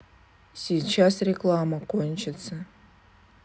сейчас реклама кончится